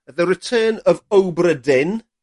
The Return of the Obra Dinn.